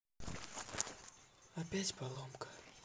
опять поломка